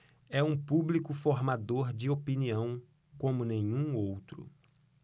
é um público formador de opinião como nenhum outro